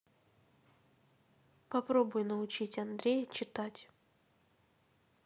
попробуй научить андрея читать